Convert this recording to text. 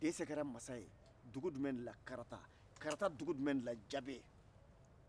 a kɛra mansa ye dugu jumɛn de la karata karata dugu jumɛn de la jabe